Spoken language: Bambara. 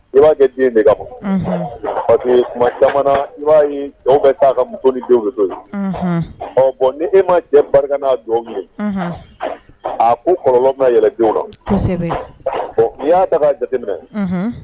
I b'a kɛ diɲɛ de ka bon pa kuma caman i'a jɔn bɛ taa ka muso ni denw bɛ to ye ɔ bɔn ni e m ma jɛ barika n'a jɔn min a u kɔlɔn bɛɛlɛn denw la kosɛbɛ ni y'a da jateminɛ